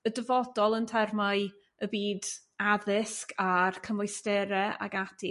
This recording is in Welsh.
y dyfodol yn termau y byd addysg a'r cymwystere ag ati.